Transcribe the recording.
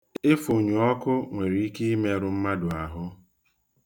Ifụnyụ ọkụ nwere ike imerụ mmadụ ahụ.